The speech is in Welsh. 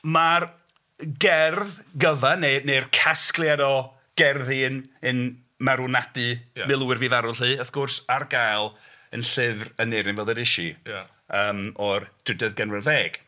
Ma'r gerdd gyfa neu neu'r casgliad o gerddi yn yn marwnadu... ia. ...milwyr fu farw 'lly wrth gwrs ar gael yn llyfr Aneurin fel ddeudais i... ia. ...yym o'r drydydd ganrif ar ddeg.